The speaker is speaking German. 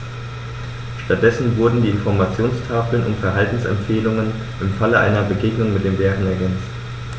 Stattdessen wurden die Informationstafeln um Verhaltensempfehlungen im Falle einer Begegnung mit dem Bären ergänzt.